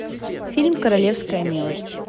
фильм королевская милость